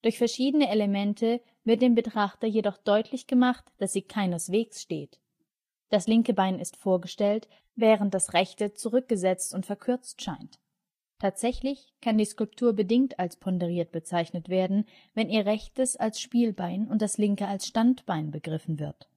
verschiedene Elemente wird dem Betrachter jedoch deutlich gemacht, dass sie keineswegs steht. Das linke Bein ist vorgestellt, während das rechte zurückgesetzt und verkürzt scheint. Tatsächlich kann die Skulptur bedingt als ponderiert bezeichnet werden, wenn ihr rechtes als Spielbein und das linke als Standbein begriffen wird